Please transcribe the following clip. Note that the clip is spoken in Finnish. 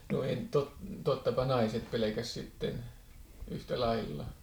no tottapa naiset pelkäsi sitten yhtä lailla